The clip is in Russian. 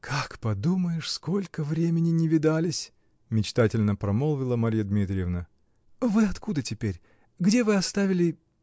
-- Как подумаешь, сколько временя не видались, -- мечтательно промолвила Марья Дмитриевна. -- Вы откуда теперь? Где вы оставили.